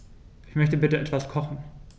Ich möchte bitte etwas kochen.